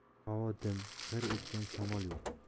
havo dim g'ir etgan shamol yo'q